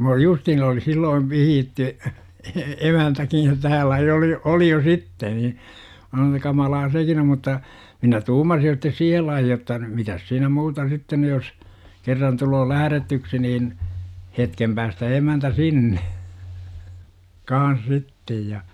minä olin justiin oli silloin vihitty - emäntäkin jo täällä jo oli oli jo sitten niin minä sanon että kamalaa sekin on mutta minä tuumasin jo sitten siihen lajiin jotta mitäs siinä muuta sitten nyt jos kerran tulee lähdetyksi niin hetken päästä emäntä sinne kanssa sitten ja